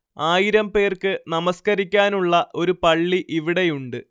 ആയിരം പേർക്ക് നമസ്കരിക്കാനുള്ള ഒരു പള്ളി ഇവിടെയുണ്ട്